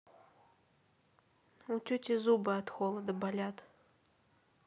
у тети зубы от холода болят